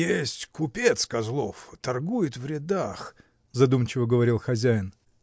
— Есть купец Козлов, торгует в рядах. — задумчиво говорил хозяин.